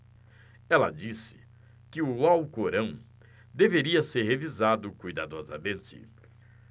ela disse que o alcorão deveria ser revisado cuidadosamente